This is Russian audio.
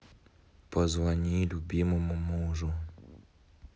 позвони любимому мужу